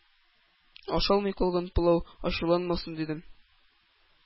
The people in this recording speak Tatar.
Ашалмый калган пылау ачуланмасын, дидем.